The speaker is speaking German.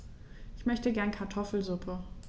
Ich möchte gerne Kartoffelsuppe.